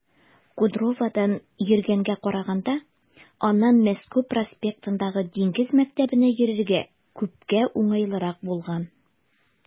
Кудроводан йөргәнгә караганда аннан Мәскәү проспектындагы Диңгез мәктәбенә йөрергә күпкә уңайлырак булган.